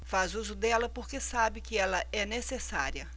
faz uso dela porque sabe que ela é necessária